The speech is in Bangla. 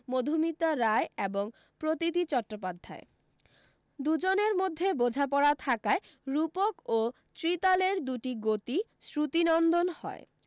মধুমিতা রায় এবং প্রতীতি চট্টোপাধ্যায় দু জনের মধ্যে বোঝাপড়া থাকায় রূপক ও ত্রিতালের দুটি গতি শ্রুতিনন্দন হয়